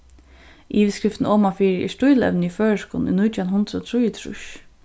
yvirskriftin omanfyri er stílevni í føroyskum í nítjan hundrað og trýogtrýss